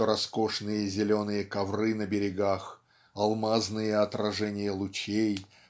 что роскошные зеленые ковры на берегах алмазные отражения лучей